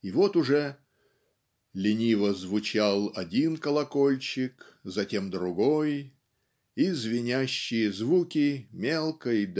и вот уже "лениво зазвучал один колокольчик затем другой и звенящие звуки мелкой